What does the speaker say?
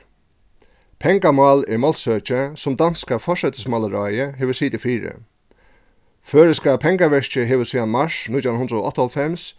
pengamál er málsøki sum danska forsætismálaráðið hevur sitið fyri føroyska pengaverkið hevur síðan mars nítjan hundrað og áttaoghálvfems